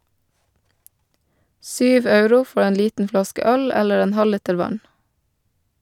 Syv euro for en liten flaske øl eller en halvliter vann.